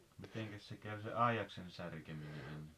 mitenkäs se kävi se aidaksen särkeminen ennen